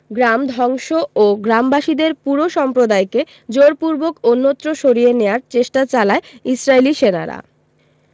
গ্রাম ধ্বংস ও গ্রামবাসীদের পুরো সম্প্রদায়কে জোরপূর্বক অন্যত্র সরিয়ে নেয়ার চেষ্টা চালায় ইসরাইলি সেনারা